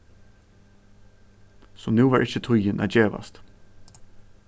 so nú var ikki tíðin at gevast